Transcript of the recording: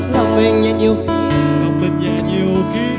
mình nhẹ nhiều khi